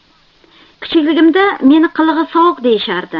kichikligimda meni qilig'i sovuq deyishardi